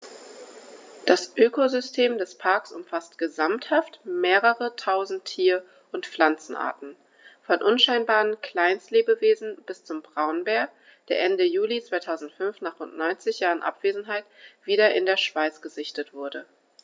Das Ökosystem des Parks umfasst gesamthaft mehrere tausend Tier- und Pflanzenarten, von unscheinbaren Kleinstlebewesen bis zum Braunbär, der Ende Juli 2005, nach rund 90 Jahren Abwesenheit, wieder in der Schweiz gesichtet wurde.